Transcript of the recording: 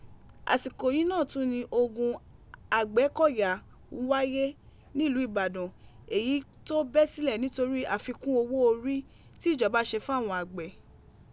Asiko yii naa tun ni ogun Agbekọya n waye nilu Ibadan eyi to bẹ silẹ nitori afikun owo ori tijọba ṣe fun awọn agbẹ.